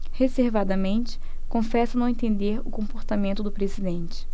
reservadamente confessa não entender o comportamento do presidente